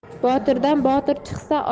botirdan botir chiqsa